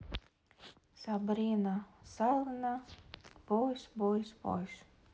сабрина салена бойс бойс бойс